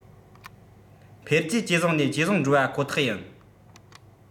འཕེལ རྒྱས ཇེ བཟང ནས ཇེ བཟང འགྲོ བ ཁོ ཐག ཡིན